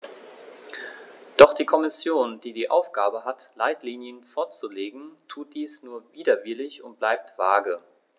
Doch die Kommission, die die Aufgabe hat, Leitlinien vorzulegen, tut dies nur widerwillig und bleibt vage.